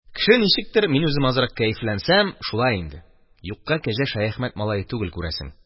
Кеше ничектер, мин үзем азрак кәефләнсәм, шулай инде, юкка Кәҗә Шаяхмәт малае түгел, күрәсең.